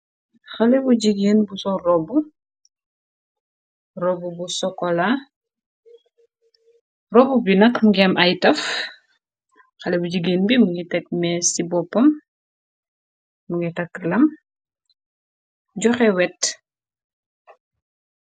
Haley bu jigeen bu sol robu, robu bi sokola. Robu bi nak mungi am ay taff. Haley bu jigeen bi mungi tekk mèss ci boppam, mungi takk lam, johè wèt.